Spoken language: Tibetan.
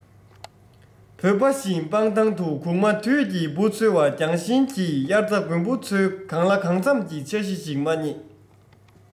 བོད པ བཞིན སྤང ཐང དུ གུག མ དུད ཀྱིས འབུ འཚོལ བ རྒྱང ཤེལ གྱིས དབྱར རྩྭ དགུན འབུ འཚོལ གང ལ གང འཚམ གྱི འཆར གཞི ཞིག མ རྙེད